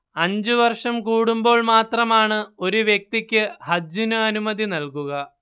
അഞ്ചു വർഷം കൂടുമ്പോൾ മാത്രമാണ് ഒരു വ്യക്തിക്ക് ഹജ്ജിനു അനുമതി നൽകുക